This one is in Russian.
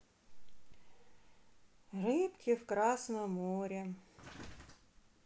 рыбки в красном море